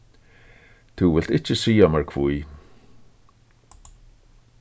tú vilt ikki siga mær hví